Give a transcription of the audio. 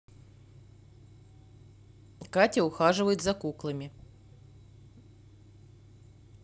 катя ухаживает за куклами